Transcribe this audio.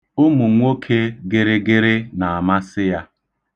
Ụmụnwoke gịrịgịrị na-amasi ya.